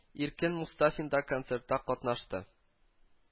Иркен Мустафин да концертта катнашты